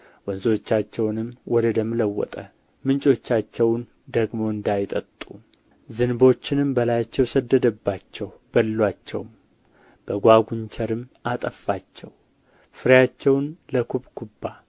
ወንዞቻቸውንም ወደ ደም ለወጠ ምንጮቻቸውን ደግሞ እንዳይጠጡ ዝንቦችንም በላያቸው ሰደደባቸው በሉአቸውም በጓጉንቸርም አጠፋቸው ፍሬያቸውን ለኩብኩባ